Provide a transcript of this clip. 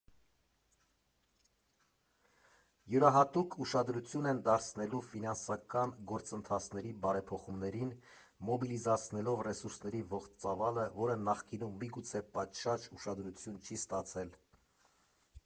Յուրահատուկ ուշադրություն են դարձնելու ֆինանսական գործընթացների բարեփոխումներին՝ մոբիլիզացնելով ռեսուրսների ողջ ծավալը, որը նախկինում միգուցե պատշաճ ուշադրություն չի ստացել։